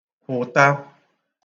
hùta